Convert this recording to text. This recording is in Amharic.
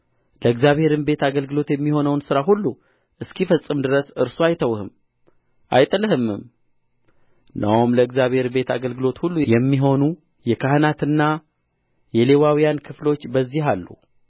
ለእግዚአብሔርም ቤት አገልግሎት የሚሆነው ሥራ ሁሉ እስኪፈጸም ድረስ እርሱ አይተውህም አይጥልህምም እነሆም ለእግዚአብሔር ቤት አገልግሎት ሁሉ የሚሆኑ የካህናትና የሌዋውያን ክፍሎች በዚህ አሉ